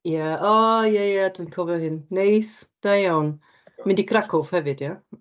Ia, o ia ia dwi'n cofio hyn. Neis, da iawn. Mynd i Krakow hefyd ie?